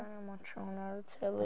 Angen watsio hwnna ar y teli.